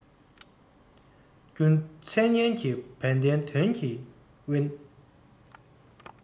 མཚན སྙན གྱི བ དན དོན གྱིས དབེན